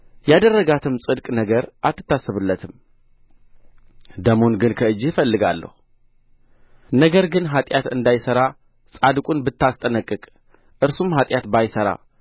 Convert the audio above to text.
ያደረጋትም ጽድቅ ነገር አትታሰብለትም ደሙን ግን ከእጅህ እፈልጋለሁ ነገር ግን ኃጢአት እንዳይሠራ ጻድቁን ብታስጠነቅቅ እርሱም ኃጢአት ባይሠራ